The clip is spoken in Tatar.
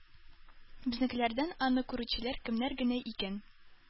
Безнекеләрдән аны күрүчеләр кемнәр генә икән?